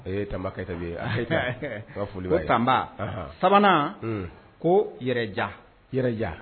Ee ye tanba keta foli ko tanba sabanan ko yɛrɛja yɛrɛja